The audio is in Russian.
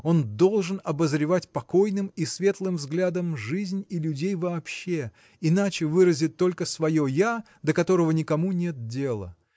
Он должен обозревать покойным и светлым взглядом жизнь и людей вообще – иначе выразит только свое я до которого никому нет дела.